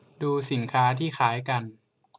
ดูสินค้าที่คล้ายกัน